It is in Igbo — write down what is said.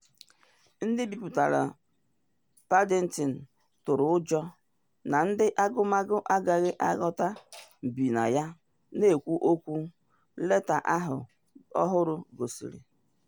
Ndị biputere Paddington tụrụ ụjọ na ndị agụmagụ agaghị aghọta biya na ekwu okwu, leta ọhụrụ gosiri